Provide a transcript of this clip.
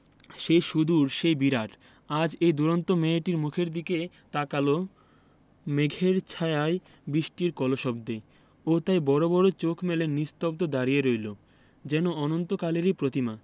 সেই সুদূর সেই বিরাট আজ এই দুরন্ত মেয়েটির মুখের দিকে তাকাল মেঘের ছায়ায় বৃষ্টির কলশব্দে ও তাই বড় বড় চোখ মেলে নিস্তব্ধ দাঁড়িয়ে রইল যেন অনন্তকালেরই প্রতিমা